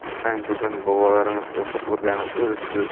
qarang bugun bolalarimiz o'qib o'rganib o'z ustida